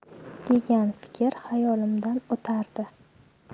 degan fikr xayolimdan o'tardi